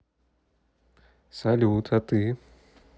салют а ты